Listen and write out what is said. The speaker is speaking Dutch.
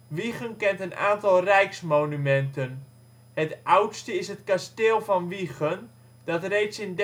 Wijchen kent een aantal Rijksmonumenten. Het oudste is het Kasteel van Wijchen, dat reeds in